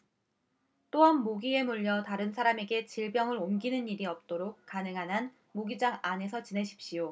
또한 모기에 물려 다른 사람에게 질병을 옮기는 일이 없도록 가능한 한 모기장 안에서 지내십시오